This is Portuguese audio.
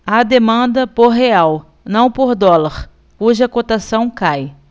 há demanda por real não por dólar cuja cotação cai